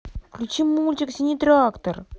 включи мультик синий трактор